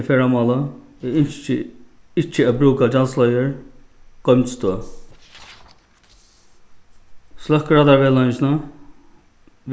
til ferðamálið eg ynski ikki at brúka gjaldsleiðir goymd støð sløkk raddarvegleiðingina